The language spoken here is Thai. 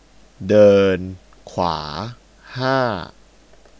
เดินขวาห้า